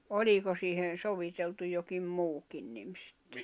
oliko siihen soviteltu jokin muukin niin sitten